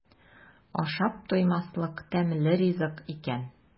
Ашап туймаслык тәмле ризык икән.